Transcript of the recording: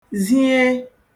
zie